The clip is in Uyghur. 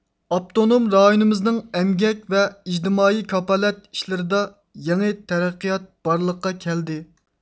ئاپتونوم رايونىمىزنىڭ ئەمگەك ۋە ئىجتىمائىي كاپالەت ئىشلىرىدا يېڭى تەرەققىيات بارلىققا كەلدى